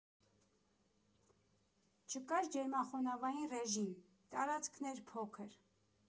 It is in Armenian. Չկար ջերմախոնավային ռեժիմ, տարածքն էր փոքր.